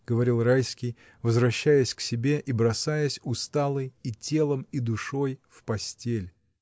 — говорил Райский, возвращаясь к себе и бросаясь, усталый и телом и душой, в постель.